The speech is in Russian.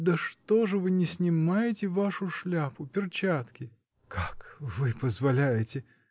-- Да что же вы не снимаете вашу шляпу, перчатки? -- Как? вы позволяете?